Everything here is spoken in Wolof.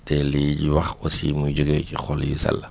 te lii ñuy wax aussi muy jógee ci xol yu sell